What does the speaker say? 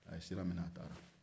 a ye sira minɛ a taara